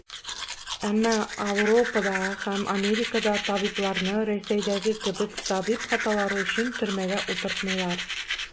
Әмма Ауропада һәм Америкада табибларны, Рәсәйдәге кебек, табиб хаталары өчен төрмәгә утыртмыйлар.